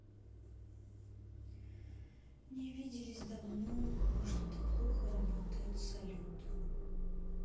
не виделись давно но что то плохо работает салют